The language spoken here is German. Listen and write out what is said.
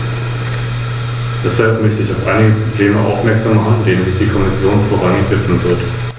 Dennoch freue ich mich, dass manche der grundlegenden Rechte der Verordnung für Fahrgäste gelten, die über eine kürzere Entfernung reisen.